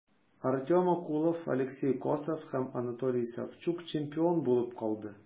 Артем Окулов, Алексей Косов һәм Антоний Савчук чемпион булып калды.